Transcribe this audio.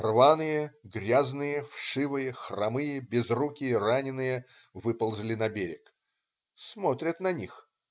Рваные, грязные, вшивые, хромые, безрукие раненые выползли на берег. Смотрят на них.